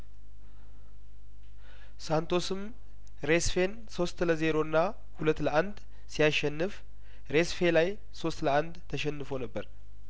ሳንቶስም ሬሲፌን ሶስት ለዜሮና ሁለት ለአንድ ሲያሸንፍ ሬሲፌ ላይ ሶስት ለአንድ ተሸን ፎ ነበር